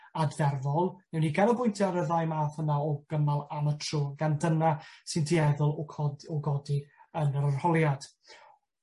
adferfol. Newn ni ganolbwyntio ar y ddau math yna o gymal am y tro gan dyna sy'n dueddol o cod- o godi yn yr arholiad.